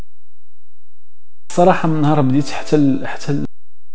فرح النهارده